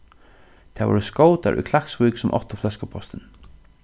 tað vóru skótar í klaksvík sum áttu fløskupostin